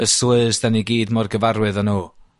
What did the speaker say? y slurs 'dan ni gyd mor gyfarwydd â nhw?